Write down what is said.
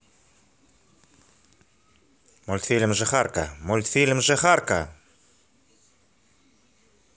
мультфильм жихарка мультфильм жихарка